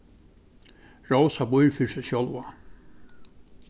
rósa býr fyri seg sjálva